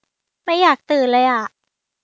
ไม่อยากตื่นเลยอะ